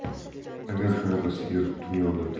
agar shunaqa sigir dunyoda